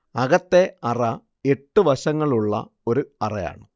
അകത്തെ അറ എട്ട് വശങ്ങളുള്ള ഒരു അറയാണ്